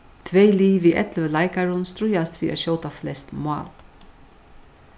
tvey lið við ellivu leikarum stríðast fyri at skjóta flest mál